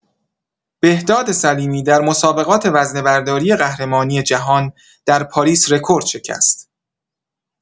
بهداد سلیمی در مسابقات وزنه‌برداری قهرمانی جهان در پاریس رکورد شکست.